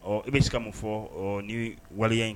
Ɔ i bɛ se ka mun fɔ ɔ ni waleya